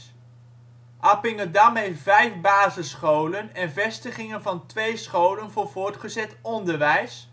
Appingedam heeft vijf basisscholen en vestigingen van twee scholen voor voortgezet onderwijs